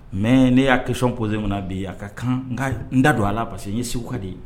Mɛ ne y'a kɛcon ppoe kɔnɔ bi a ka kan n da don a la parce que n ye segu ka de ye